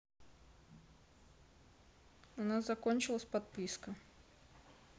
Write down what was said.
у нас закончилась подписка